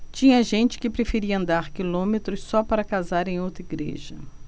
tinha gente que preferia andar quilômetros só para casar em outra igreja